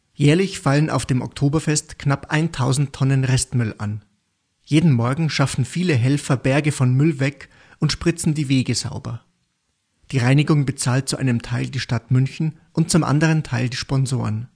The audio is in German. Jährlich fallen auf dem Oktoberfest knapp 1.000 Tonnen Restmüll an. Jeden Morgen schaffen viele Helfer Berge von Müll weg und spritzen die Wege sauber. Die Reinigung bezahlt zu einem Teil die Stadt München und zum anderen Teil die Sponsoren